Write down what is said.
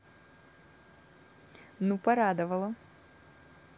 ну порадовала